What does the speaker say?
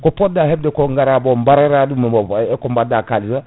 ko poɗɗa hebde ko gara bon barera ɗum * eko baɗɗa kalis o